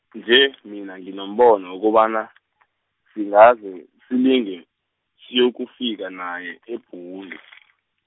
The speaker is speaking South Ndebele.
nje mina nginombono wokobana , singaze silinge, siyokufika naye , eBhundu.